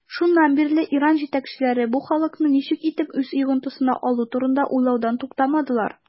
Шуннан бирле Иран җитәкчеләре бу халыкны ничек итеп үз йогынтысына алу турында уйлаудан туктамадылар.